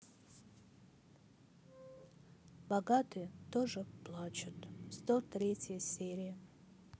богатые тоже плачут сто третья серия